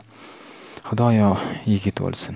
xudoyo yigit o'lsin